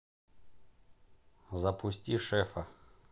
запусти шефа